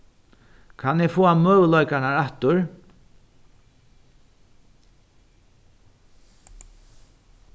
kann eg fáa møguleikarnar aftur